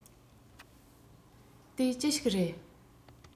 དེ ཅི ཞིག རེད